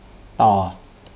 ต่อ